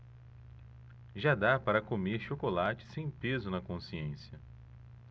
já dá para comer chocolate sem peso na consciência